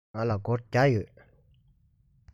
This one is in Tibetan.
ང ལ སྒོར བརྒྱ ཡོད